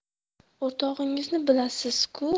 o'rtog'ingizni bilasiz ku